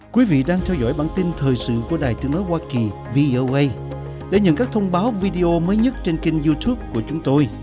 quý vị đang theo dõi bản tin thời sự của đài tiếng nói hoa kỳ vi âu ây để nhận các thông báo vi đi ô mới nhất trên kênh diu túp của chúng tôi